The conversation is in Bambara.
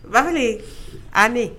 Bakelen ani